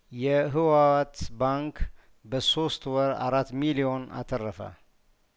የህወሀት ባንክ በሶስት ወር አራት ሚሊዮን አተረፈ